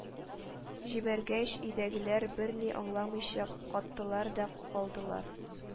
Җибәргәч, өйдәгеләр берни аңламыйча каттылар да калдылар